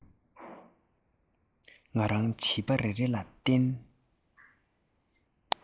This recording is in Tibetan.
ང རང བྱིས པ རེ རེ ལ བསྟན